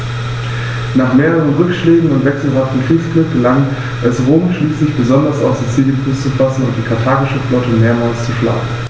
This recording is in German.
Nach mehreren Rückschlägen und wechselhaftem Kriegsglück gelang es Rom schließlich, besonders auf Sizilien Fuß zu fassen und die karthagische Flotte mehrmals zu schlagen.